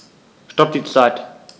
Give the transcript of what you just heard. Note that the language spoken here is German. Stopp die Zeit